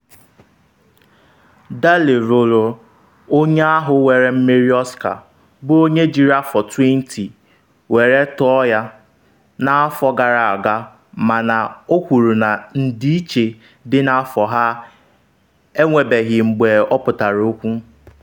Daley lụrụ onye ahụ were mmeri Oscar, bụ onye jiri afọ 20 were tọọ ya, n’afọ gara aga mana o kwuru na ndịiche dị n’afọ ha enwebeghị mgbe ọ pụtara okwu.